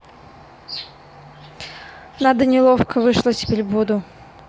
надо неловко вышло теперь буду